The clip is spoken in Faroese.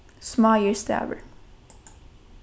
smáir stavir